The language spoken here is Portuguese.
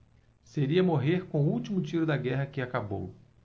seria morrer com o último tiro da guerra que acabou